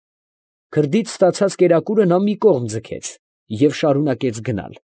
Քրդից ստացած կերակուրը նա մի կողմ ձգեց և շարունակեց գնալ։